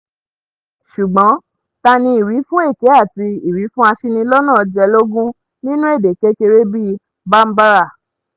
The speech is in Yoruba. Ṣùgbọ́n tani ìwífún èké àti ìwífún aṣinilọ́nà jẹ lógún nínú èdè kékeré bíi Bambara?